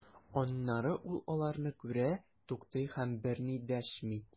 Аннары ул аларны күрә, туктый һәм берни дәшми.